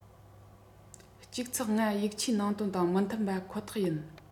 ༡ ༥ ཡིག ཆའི ནང དོན དང མི མཐུན པ ཁོ ཐག ཡིན